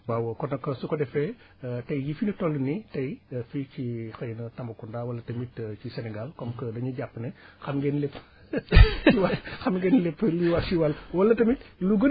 waaw kon nag su ko defee tay jii fi ñu toll nii tay fii ci xëy na Tambacounda wala tamit ci Sénégal comme que dañu jàpp ne waa xam ngeen lépp xam ngeen lépp li war ci wall walla tamit lu gën a